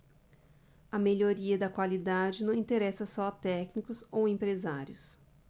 a melhoria da qualidade não interessa só a técnicos ou empresários